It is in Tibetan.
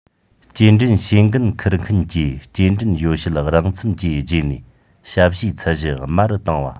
སྐྱེལ འདྲེན བྱེད འགན འཁུར མཁན གྱིས སྐྱེལ འདྲེན ཡོ བྱད རང མཚམས ཀྱིས བརྗེས ནས ཞབས ཞུའི ཚད གཞི དམའ རུ བཏང བ